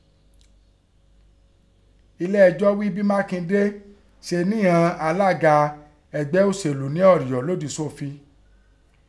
Elé ẹjọ́ ghíí bí Mákindé se lé ighọn alága ẹgbẹ́ ọ̀ṣèlú nẹ́ Ọyọ́ lọ lòdì sófi.